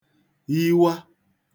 yiwa